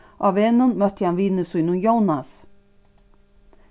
á vegnum møtti hann vini sínum jónas